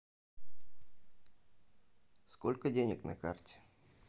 сколько денег на карте